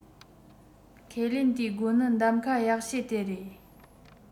ཁས ལེན ཏིའོ སྒོ ནི གདམ ཁ ཡག ཤོས དེ རེད